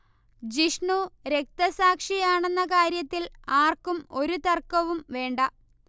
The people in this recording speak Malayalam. ജിഷ്ണു രക്തസാക്ഷിയാണെന്ന കാര്യത്തിൽ ആർക്കും ഒരു തർക്കവും വേണ്ട